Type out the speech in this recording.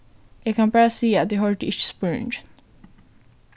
eg kann bara siga at eg hoyrdi ikki spurningin